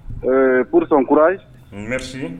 Ɛɛ porotekurameri